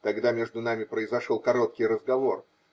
Тогда между нами произошел короткий разговор.